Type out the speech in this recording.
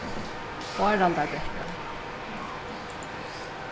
báraldarbrekka